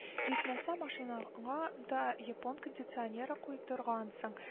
Җитмәсә, машинаңа да япон кондиционеры куйдыргансың